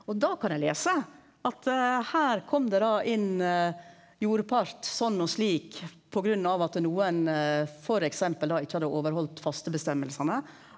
og da kan eg lese at her kom det da inn jordpart sånn og slik pga. at nokon f.eks. da ikkje hadde overheldt fastebestemmingane.